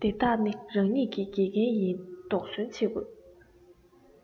དེ དག ནི རང ཉིད ཀྱི དགེ རྒན ཡིན དོགས ཟོན བྱེད དགོས